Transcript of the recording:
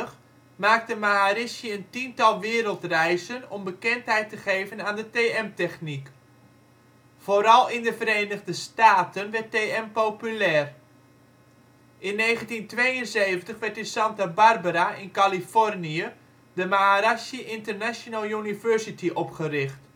1968 maakte Maharishi een tiental wereldreizen om bekendheid te geven aan de TM-techniek. Vooral in de Verenigde Staten werd TM populair. In 1972 werd in Santa Barbara (Californië) de Maharishi International University opgericht